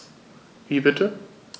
Wie bitte?